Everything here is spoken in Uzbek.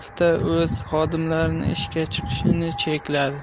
hafta o'z xodimlarining ishga chiqishini chekladi